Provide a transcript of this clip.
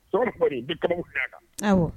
Cɛkɔrɔba n bɛ kaba filɛ kan